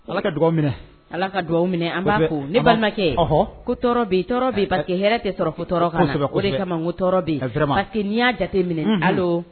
Ala ka dugawu minɛ, Ala ka dugaw minɛ an b'a fo ne balimakɛ, ɔhɔ, ko tɔɔrɔ bɛ yen parce que hɛrɛ tɛ sɔrɔ fo tɔɔrɔ ka na, o de kama n ko tɔɔrɔ bɛ yen vraiment, parce que n'i y'a jateminɛ, allo